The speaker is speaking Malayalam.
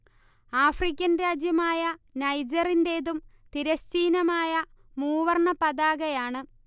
ആഫ്രിക്കൻ രാജ്യമായ നൈജറിന്റേതും തിരശ്ചീനമായ മൂവർണ്ണ പതാകയാണ്